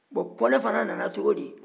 bon kɔnɛ fana nana cogo di